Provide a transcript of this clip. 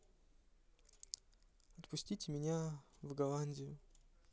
отпустите меня в голландию